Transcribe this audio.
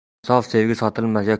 sof sevgi sotilmas